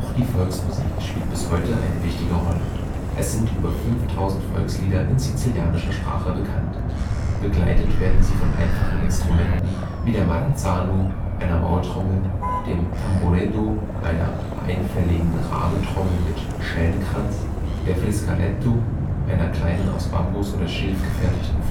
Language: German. die Volksmusik spielt bis heute eine wichtige Rolle. Es sind über 5000 Volkslieder in sizilianischer Sprache bekannt. Begleitet werden sie von einfachen Instrumenten wie der marranzanu, einer Maultrommel, dem tambureddu, einer einfelligen Rahmentrommel mit Schellenkranz, der friscalettu, einer kleinen aus Bambus oder Schilf gefertigten